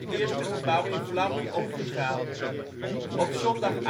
eerste gebouw in vlammen opgegaan. Op zondag